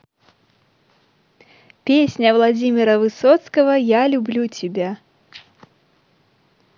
песни владимира высоцкого я люблю тебя